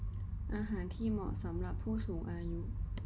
อาหารที่เหมาะสำหรับผู้สูงอายุ